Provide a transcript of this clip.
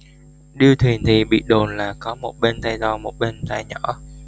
điêu thuyền thì bị đồn là có một bên tai to một bên tai nhỏ